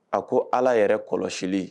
A ko alllah yɛrɛ kɔlɔsili.